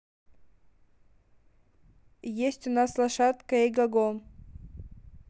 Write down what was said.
есть у нас лошадка игого